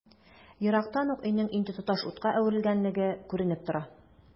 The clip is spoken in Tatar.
Ерактан ук өйнең инде тоташ утка әверелгәнлеге күренеп тора.